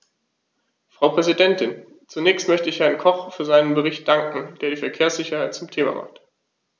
Frau Präsidentin, zunächst möchte ich Herrn Koch für seinen Bericht danken, der die Verkehrssicherheit zum Thema hat.